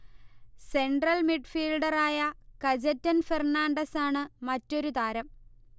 central മിഡ്ഫീൽഡറായ കജെറ്റൻ ഫെർണാണ്ടസാണ് മറ്റൊരു താരം